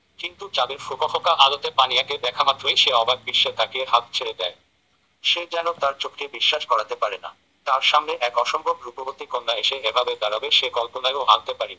কিন্তু চাঁদের ফকফকা আলোতে পানিয়াকে দেখামাত্রই সে অবাক-বিস্ময়ে তাকিয়ে হাত ছেড়ে দেয় সে যেন তার চোখকে বিশ্বাস করাতে পারে না তার সামনে এক অসম্ভব রূপবতী কন্যা এসে এভাবে দাঁড়াবে সে কল্পনায়ও আনতে পারিনি